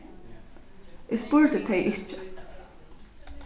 eg spurdi tey ikki